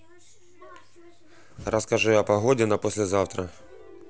расскажи о погоде на послезавтра